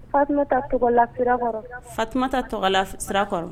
Fatumata Togola sirakɔrɔ. fatumata tɔgɔla sirakɔrɔ.